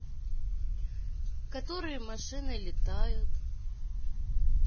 которые машины летают